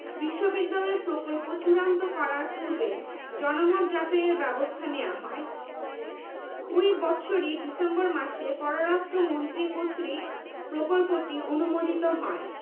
২৪৩ acre ভূমি বিশ্ববিদ্যালয়ের জন্য নির্ধারিত হয় কার্জন হল ঢাকা কলেজ নতুন সরকারি ভবন